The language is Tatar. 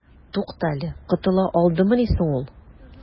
Туктале, котыла алдымыни соң ул?